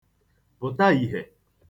pụ̀ta ìhiè